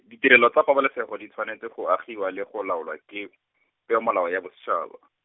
ditirelo tsa pabalesego di tshwanetse go agiwa le go laolwa ke, Peomolao ya bosetšhaba.